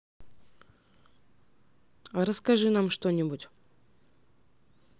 расскажи нам что нибудь